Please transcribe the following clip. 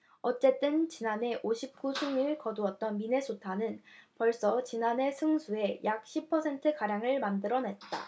어쨌든 지난해 오십 구 승를 거뒀던 미네소타는 벌써 지난해 승수의 약 십 퍼센트가량을 만들어냈다